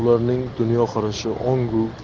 ularning dunyoqarashi ongu